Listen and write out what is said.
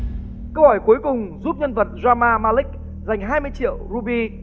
câu hỏi cuối cùng giúp nhân vật ra ma ma lích dành hai triệu ru bi